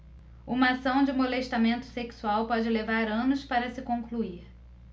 uma ação de molestamento sexual pode levar anos para se concluir